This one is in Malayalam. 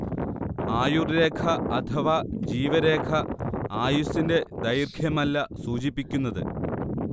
ആയുർരേഖ അഥവാ ജീവരേഖ ആയുസ്സിന്റെ ദൈർഘ്യമല്ല സൂചിപ്പിക്കുന്നത്